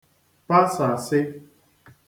pasàsị